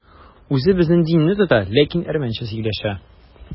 Үзе безнең динне тота, ләкин әрмәнчә сөйләшә.